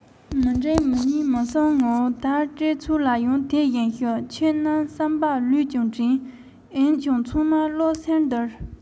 མི འགྲིག མི ཉན མི གསུང ངེད སྤྲེལ ཚོགས ལ ཡང དེ བཞིན ཞུ ཁྱོད རྣམས བསམ པ ལོས ཀྱང དྲན འོན ཀྱང ཚང མ བློ སེམས སྡུར